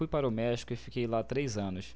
fui para o méxico e fiquei lá três anos